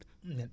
nen